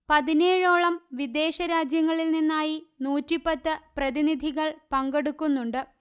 പതിനേഴോളം വിദേശ രാജ്യങ്ങളിൽ നിന്നായി നൂറ്റി പത്ത് പ്രതിനിധികൾ പങ്കെടുക്കുന്നുണ്ട്